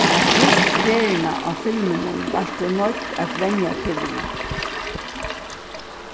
at júst ferðina á filminum vart tú noydd at venja teg við